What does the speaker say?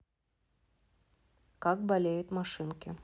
как болеют машинки